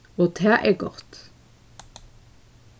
og tað er gott